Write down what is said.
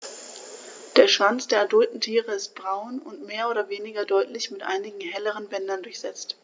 Der Schwanz der adulten Tiere ist braun und mehr oder weniger deutlich mit einigen helleren Bändern durchsetzt.